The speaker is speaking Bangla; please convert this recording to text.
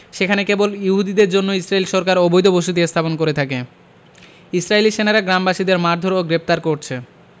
সেখানে কেবল ইহুদিদের জন্য ইসরাইল সরকার অবৈধ বসতি স্থাপন করে থাকে ইসরাইলী সেনারা গ্রামবাসীদের মারধোর ও গ্রেফতার করছে